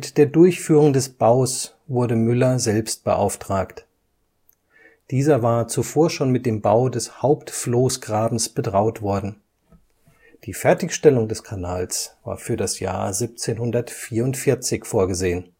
der Durchführung des Baus wurde Müller selbst beauftragt. Dieser war zuvor schon mit dem Bau des Hauptfloßgrabens betraut worden. Die Fertigstellung des Kanals war für das Jahr 1744 vorgesehen